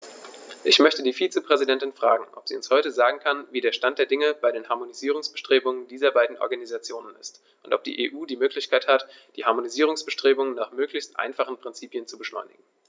Ich möchte die Vizepräsidentin fragen, ob sie uns heute sagen kann, wie der Stand der Dinge bei den Harmonisierungsbestrebungen dieser beiden Organisationen ist, und ob die EU die Möglichkeit hat, die Harmonisierungsbestrebungen nach möglichst einfachen Prinzipien zu beschleunigen.